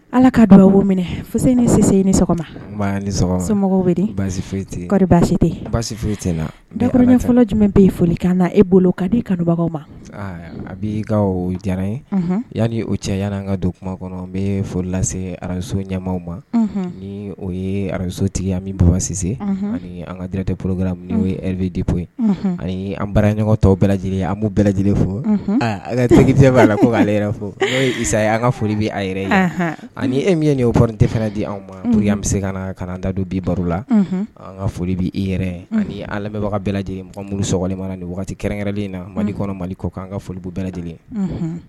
Ala k kaa dubabu minɛ fosesise ni sɔgɔma semɔgɔw bɛ baasi basiɔri baasite baasi basi ten dak fɔlɔ jumɛn bɛ foli ka na e bolo ka di kanubagaw ma a bi ka diyara yan o cɛyara an ka don kuma kɔnɔ n bɛ foli lase araz ɲɛ ma ni o ye araz tigiya minsise ani andirate poro ni ye depye ani an baara ɲɔgɔn tɔw bɛɛ lajɛlen an' bɛɛ lajɛlen fɔ a ka segin b'a la ko'ale yɛrɛ fɔ ee an ka foli bɛ a yɛrɛ ani e min ye nin'oɔri tɛ fana di anw maur bɛ se ka na ka da don bi baro la an ka foli bɛ i yɛrɛ ani an lamɛnbaga bɛɛ lajɛlen mɔgɔ minnu sli mana nin waati kɛrɛnkɛrɛn de na mali kɔnɔ mali kɔ an ka folibu bɛɛ lajɛlen